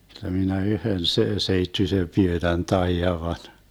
jotta minä yhden - seittyisen pyönän taidan vain